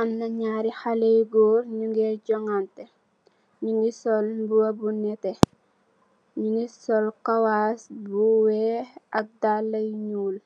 Amna njarri haleh yu gorre nju ngeh johnganteh, njungy sol mbuba bu nehteh, njungy sol kawass bu wekh ak daalah yu njull,